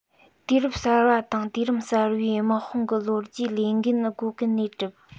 དུས རབས གསར པ དང དུས རིམ གསར པའི དམག དཔུང གི ལོ རྒྱུས ལས འགན སྒོ ཀུན ནས བསྒྲུབས